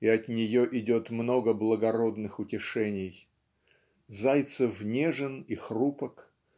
и от нее идет много благородных утешений. Зайцев нежен и хрупок